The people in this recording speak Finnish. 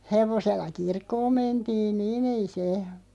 hevosella kirkkoon mentiin niin ei se